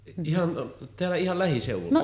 ihan täällä ihan lähiseudulla